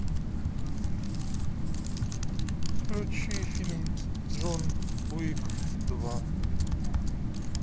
включи фильм джон уик два